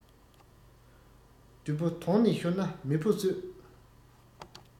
བདུད པོ དོང ནས ཤོར ན མི ཕོ གསོད